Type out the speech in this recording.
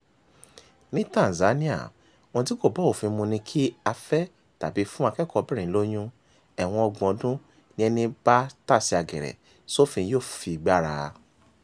Ní Tanzania, ohun tí kò bá òfin mu ni kí a fẹ́ tàbí fún akẹ́kọ̀ọ́bìnrin lóyún, ẹ̀wọ̀n ọgbọ̀n ọdún ni ẹní bá tasẹ̀ àgẹ̀rẹ̀ sófin yóò fi gbára.